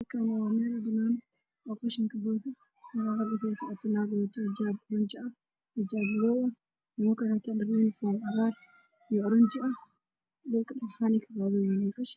Meshan waa meel ay ka shaqeynayan niman iyo naago waxey waran jaakado midab koodu yahay cagaar